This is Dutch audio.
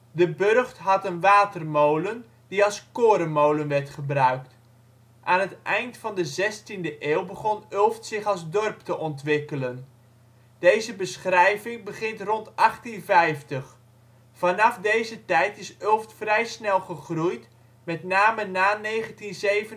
De burcht had een watermolen, die als korenmolen werd gebruikt. Aan het eind van de 16e eeuw begon Ulft zich als dorp te ontwikkelen. Deze beschrijving begint rond 1850. Vanaf deze tijd is Ulft vrij snel gegroeid, met name na 1947